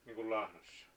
niin kuin lahnoissa